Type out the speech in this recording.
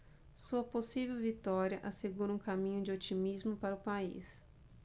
sua possível vitória assegura um caminho de otimismo para o país